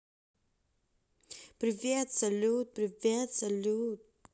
привет салют привет салют